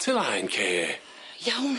Ty laen Kay. Iawn!